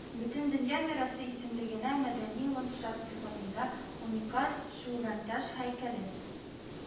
Бөтендөнья мирасы исемлегенә мәдәни ландшафт сыйфатында уникаль шүлгәнташ һәйкәлен